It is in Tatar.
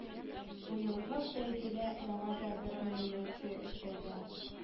Быелгы бәйгедә янә дә бер номинация өстәлгән